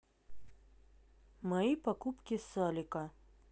мои покупки с алика